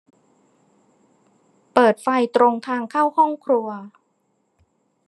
เปิดไฟตรงทางเข้าห้องครัว